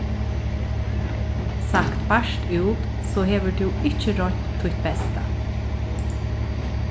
sagt bart út so hevur tú ikki roynt títt besta